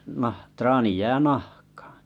- traani jää nahkaan